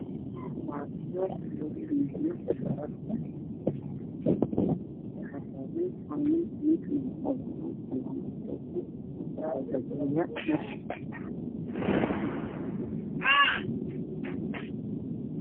Waa suuq lugu iibiyo dharka waxaa taagan nin wato fanaanad cadeys ah waxuu faraha lagalahayaa dhar.